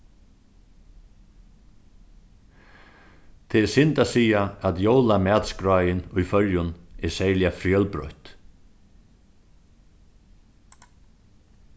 tað er synd at siga at jólamatskráin í føroyum er serliga fjølbroytt